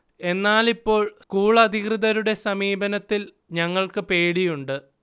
എന്നാൽ, ഇപ്പോൾ സ്കൂൾ അധികൃതരുടെ സമീപനത്തിൽ ഞങ്ങൾക്ക് പേടിയുണ്ട്